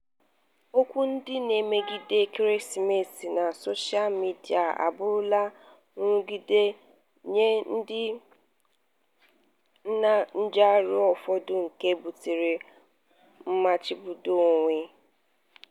Okwu ndị na-emegide ekeresimesi na soshal midịa abụrụla nrụgide nye ndị njiarụ ụfọdụ nke buture mmachibido onwe.